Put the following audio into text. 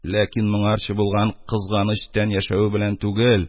Ләкин моңарчы булган кызганыч тән яшәве белән түгел,